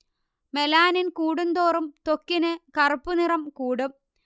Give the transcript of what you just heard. melanin കൂടുംതോറും ത്വക്കിന് കറുപ്പു നിറം കൂടും